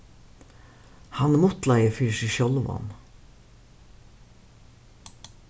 hann mutlaði fyri seg sjálvan